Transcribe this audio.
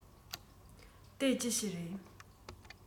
དེ ཅི ཞིག རེད